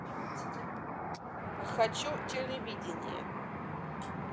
хочу телевидение